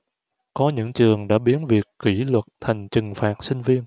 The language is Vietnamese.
có những trường đã biến việc kỷ luật thành trừng phạt sinh viên